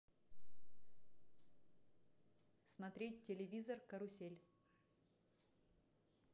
смотреть телевизор карусель